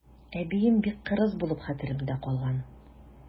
Әбием бик кырыс булып хәтеремдә калган.